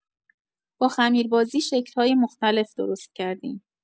با خمیر بازی شکل‌های مختلف درست کردیم.